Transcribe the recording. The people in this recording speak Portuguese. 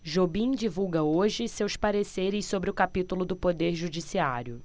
jobim divulga hoje seus pareceres sobre o capítulo do poder judiciário